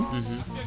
`